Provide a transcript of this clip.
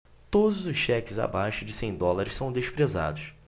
todos os cheques abaixo de cem dólares são desprezados